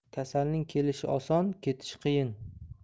kasalning kelishi oson ketishi qiyin